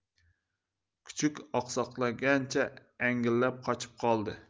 kuchuk oqsoqlangancha angillab qochib qoldi